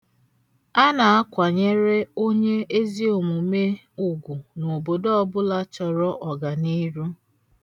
A na-akwenyere onye ezi omume ugwu n'obodo ọbụla chọrọ ọganiru.